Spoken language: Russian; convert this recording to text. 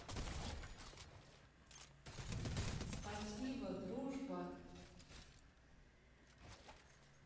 спасибо дружба